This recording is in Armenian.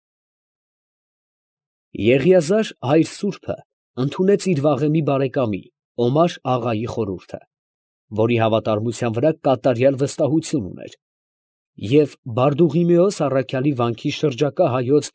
Եղիազար հայր սուրբը ընդունեց իր վաղեմի բարեկամի՝ Օմար֊աղայի խորհուրդը, որի հավատարմության վրա կատարյալ վստահություն ուներ, և Բարդուղիմեոս առաքյալի վանքի շրջակա հայոց։